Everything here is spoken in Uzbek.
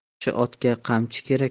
yaxshi otga qamchi